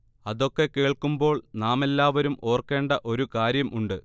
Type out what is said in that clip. അതൊക്കെ കേൾക്കുമ്പോൾ നാമെല്ലാവരും ഓർക്കേണ്ട ഒരു കാര്യം ഉണ്ട്